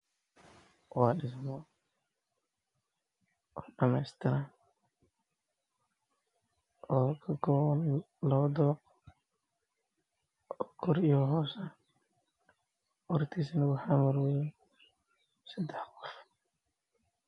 Waa Guri villa ah midabkiis yahay cadaanka